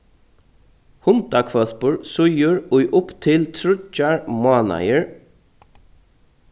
hundahvølpur sýgur í upp til tríggjar mánaðir